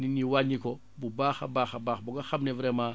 nit ñi wàññi ko bu baax a baax a baax ba nga xam ne vraiment